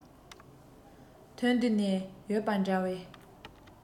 ཐོན དུས ནས ཡོད པ འདྲ བས